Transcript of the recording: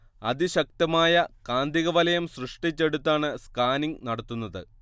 അതിശക്തമായ കാന്തിക വലയം സൃഷ്ടിച്ചെടുത്താണ് സ്കാനിങ് നടത്തുന്നത്